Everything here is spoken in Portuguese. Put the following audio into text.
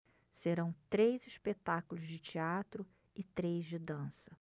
serão três espetáculos de teatro e três de dança